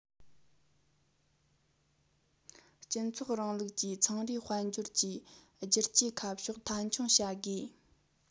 སྤྱི ཚོགས རིང ལུགས ཀྱི ཚོང རའི དཔལ འབྱོར གྱི བསྒྱུར བཅོས ཁ ཕྱོགས མཐའ འཁྱོངས བྱ དགོས